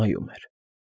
Նայում էր։